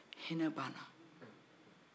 hinɛ banna